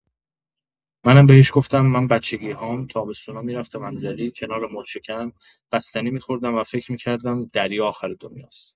منم بهش گفتم من بچگی‌هام تابستونا می‌رفتم انزلی، کنار موج‌شکن، بستنی می‌خوردم و فکر می‌کردم دریا آخر دنیاست.